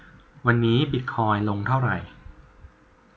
วันนี้บิทคอยน์ลงเท่าไหร่